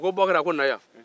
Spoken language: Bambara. a ko bokari a ko na yan